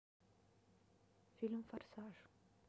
фильм форсаж